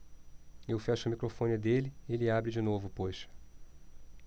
eu fecho o microfone dele ele abre de novo poxa